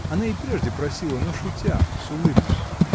Она и прежде просила, но шутя, с улыбкой.